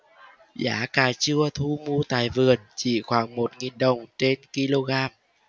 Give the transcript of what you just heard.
giá cà chua thu mua tại vườn chỉ khoảng một nghìn đồng trên ki lô gam